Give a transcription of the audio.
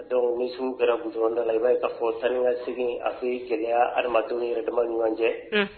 Dɔnc ni sun kɛra boda la i b'a ka fɔ sanikase afe jeliya adamadenw yɛrɛ dama ɲɔgɔn cɛ